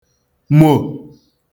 mò